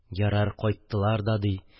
Ярар, кайттылар да ди.